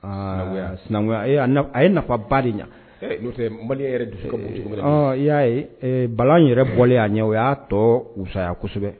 Aa sinangunya a ye nafa ba de ɲa . Ee no tɛ Malien yɛrɛ dusu ka bon cogo min na . Ɔn i ya ye balan yɛrɛ bɔlen ya ɲɛ o ya tɔ fusaya kosɛbɛ.